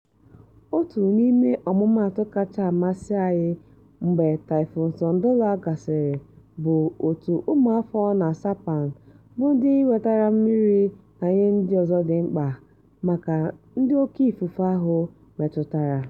Otu n'ime ọmụmaatụ kacha amasị anyị mgbe Typhoon Soudelor gasịrị bụ òtù ụmụafọ na Saipan bụ ndị wetara mmiri na ihe ndị ọzọ dị mkpa maka ndị oké ifufe ahụ metụtara.